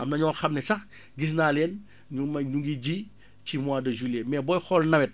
am na ñoo xam ne sax gis naa leen ñu ngi may ñu ngi ji ci mois de juillet mais booy xool nawet